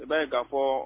I b'a ye k'a fɔ